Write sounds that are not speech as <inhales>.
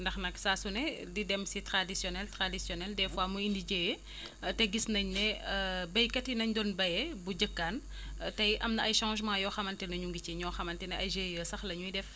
ndax nag saa su ne di dem si traditionnel traditionnel des fois mu indi jéyya <breath> te gis nañu ne <sniffs> <hesitation> béykat yi nañ doon béyee bu njëkkaan <inhales> tey am na ay changements yoo xamante ne ñu ngi ci ñoo xamante ne ay GIE sax la ñuy def